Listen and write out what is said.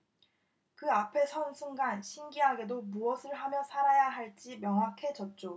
그 앞에 선 순간 신기하게도 무엇을 하며 살아야 할지 명확해졌죠